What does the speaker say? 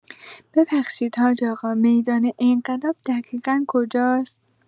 ببخشید حاج‌آقا، میدان انقلاب دقیقا کجاست؟